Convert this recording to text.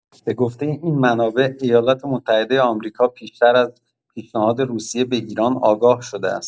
به گفته این منابع، ایالات‌متحده آمریکا پیشتر از پیشنهاد روسیه به ایران آگاه شده است.